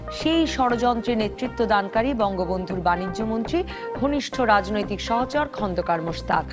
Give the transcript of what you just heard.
সেই ষড়যন্ত্রের নেতৃত্বদানকারী বঙ্গবন্ধুর বাণিজ্যমন্ত্রী ঘনিষ্ঠ রাজনৈতিক সহচর খন্দকার মোশতাক